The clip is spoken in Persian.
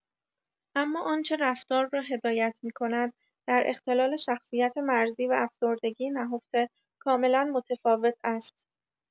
اما آنچه رفتار را هدایت می‌کند در اختلال شخصیت مرزی و افسردگی نهفته کاملا متفاوت است.